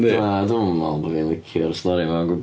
Na, dwi ddim yn meddwl bod fi'n licio'r stori yma o gwbl.